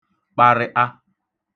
kpariṫa